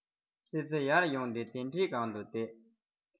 ཙི ཙི ཡར ཡོང སྟེ གདན ཁྲིའི སྒང དུ བསྡད